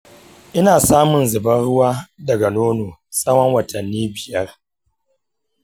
ina samun zubar ruwa daga nono tsawon watanni biyar.